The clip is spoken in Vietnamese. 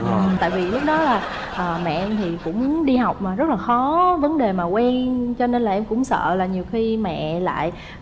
tại vì lúc đó là mẹ em thì cũng đi học mà rất là khó vấn đề mà quen cho nên là em cũng sợ là nhiều khi mẹ lại